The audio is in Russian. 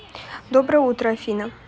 доброе утро афина